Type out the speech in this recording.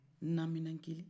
na minan kelen